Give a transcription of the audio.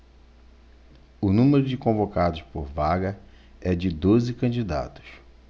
o número de convocados por vaga é de doze candidatos